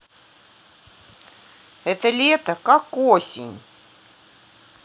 это лето как осень